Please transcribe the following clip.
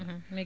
ne